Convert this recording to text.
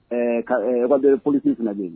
Ka bɛ politiina de